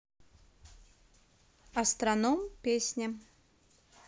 астроном песня